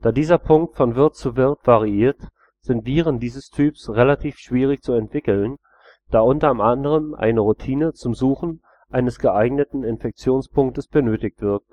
dieser Punkt von Wirt zu Wirt variiert, sind Viren dieses Typs relativ schwierig zu entwickeln, da unter anderem eine Routine zum Suchen eines geeigneten Infektionspunktes benötigt wird